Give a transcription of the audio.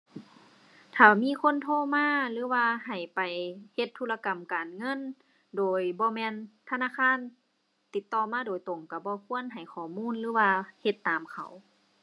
ถ้ามีคนโทรมา หรือว่าให้ไปเฮ็ดธุรกรรมการเงินโดยบ่แม่นธนาคารติดต่อมาโดยตรง ก็บ่ควรให้ข้อมูล หรือว่าเฮ็ดตามเขา